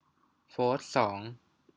โฟธสอง